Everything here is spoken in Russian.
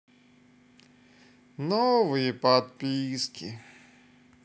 новые подписки